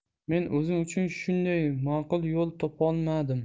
men o'zim uchun shundan maqul yo'l topolmadim